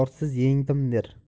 orsiz yengdim der